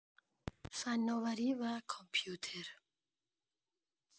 فناوری و کامپیوتر